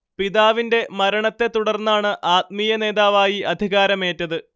പിതാവിന്റെ മരണത്തെ തുടർന്നാണ് ആത്മീയനേതാവായി അധികാരമേറ്റത്